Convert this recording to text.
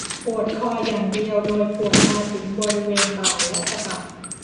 ปวดคออย่างเดียวโดยปวดมาถึงบริเวณบ่าและสะบัก